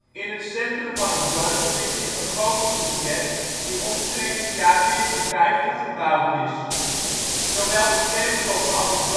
In het centrum van het dorp bevindt zich een gotische kerk, die omstreeks het jaar 1450 gebouwd is. Zowel de kerkklok als het